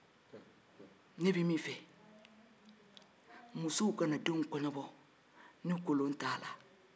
ne bɛ min fɔ muso kana denw kɔɲɔbɔ ni kolon t'a la